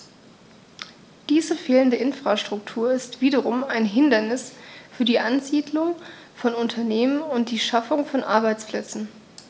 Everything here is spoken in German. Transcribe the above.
Diese fehlende Infrastruktur ist wiederum ein Hindernis für die Ansiedlung von Unternehmen und die Schaffung von Arbeitsplätzen.